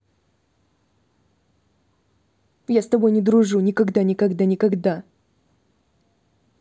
я с тобой не дружу никогда никогда никогда никогда